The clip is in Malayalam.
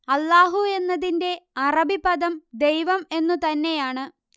അല്ലാഹു എന്നതിന്റെ അറബി പദം ദൈവം എന്നു തന്നെയാണ്